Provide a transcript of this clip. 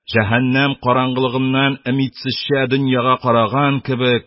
Җәһәннәм караңгылыгыннан өмитсезчә дөньяга караган кебек